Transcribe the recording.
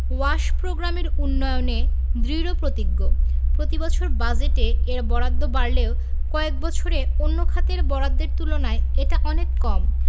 wash প্রোগ্রামের উন্নয়নে দৃঢ়প্রতিজ্ঞ প্রতিবছর বাজেটে এর বরাদ্দ বাড়লেও কয়েক বছরে অন্য খাতের বরাদ্দের তুলনায় এটা অনেক কম